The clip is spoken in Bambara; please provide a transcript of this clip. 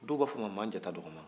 dɔw b'a fɔ a ma makanjatadɔgɔman